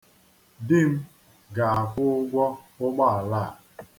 Di m ga-akwụ ụgwọ ụgbọala a.